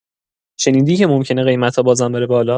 شنیدی که ممکنه قیمتا بازم بره بالا؟